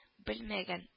Белмәгән